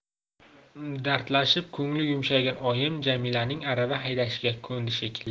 dardlashib ko'ngli yumshagan oyim jamilaning arava haydashiga ko'ndi shekilli